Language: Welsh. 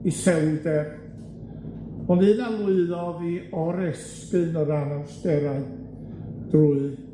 iselder, ond un a lwyddodd i oresgyn yr anawsterau drwy